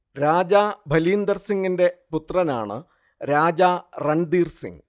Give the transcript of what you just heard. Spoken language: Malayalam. രാജാ ഭലീന്ദർ സിങ്ങിന്റെ പുത്രനാണ് രാജാ റൺധീർ സിങ്